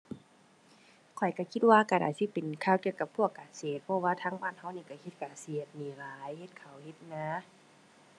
ข้อยก็คิดว่าก็น่าสิเป็นข่าวเกี่ยวกับพวกเกษตร เพราะว่าทางบ้านก็นี่ก็เฮ็ดเกษตรนี่หลาย เฮ็ดข้าว เฮ็ดนา